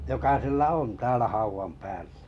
joka sillä on täällä haudan päällä